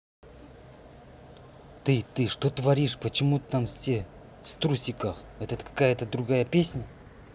ты ты что творишь почему там все струсиках это какая то другая песня